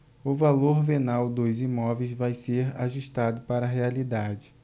o valor venal dos imóveis vai ser ajustado para a realidade